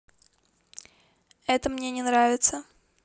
это мне не нравится